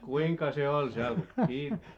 kuinka se oli se alku